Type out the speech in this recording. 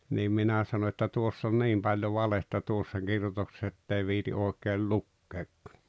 niin minä sanoin että tuossa on niin paljon valetta tuossa kirjoituksessa että ei viitsi oikein lukeakaan